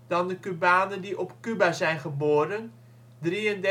dan de Cubanen die op Cuba zijn geboren ($ 33.800